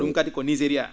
?um kadi ko Nigéria